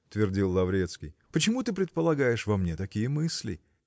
-- твердил Лаврецкий, -- почему ты предполагаешь во мне такие мысли?